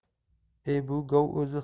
e bu gov o'zi